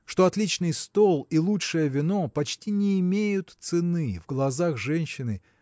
что отличный стол и лучшее вино почти не имеют цены в глазах женщины